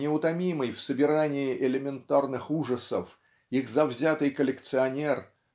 неутомимый в собирании элементарных ужасов их завзятый коллекционер